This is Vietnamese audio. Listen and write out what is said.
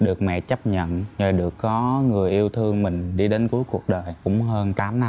được mẹ chấp nhận rồi được có người yêu thương mình đi đến cuối cuộc đời cũng hơn tám năm